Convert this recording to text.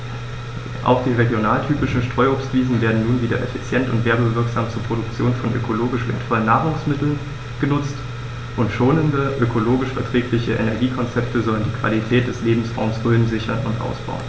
Auch die regionaltypischen Streuobstwiesen werden nun wieder effizient und werbewirksam zur Produktion von ökologisch wertvollen Nahrungsmitteln genutzt, und schonende, ökologisch verträgliche Energiekonzepte sollen die Qualität des Lebensraumes Rhön sichern und ausbauen.